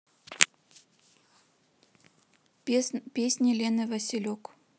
песни лены василек